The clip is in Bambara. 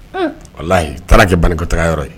Wala ye taara kɛ bankota yɔrɔ ye